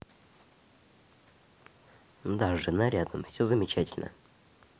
да жена рядом все замечательно